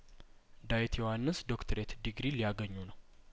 ዳዊት ዮሀንስ ዶክትሬት ዲግሪ ሊያገኙ ነው